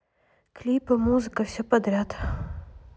клипы музыка все подряд